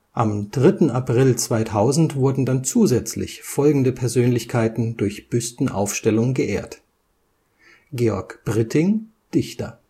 Am 3. April 2000 wurden dann zusätzlich folgende Persönlichkeiten durch Büstenaufstellung geehrt: Georg Britting, Dichter